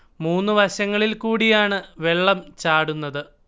മൂന്നു വശങ്ങളിൽ കൂടിയാണ് വെള്ളം ചാടുന്നത്